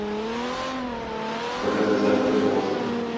как отвязать sberbox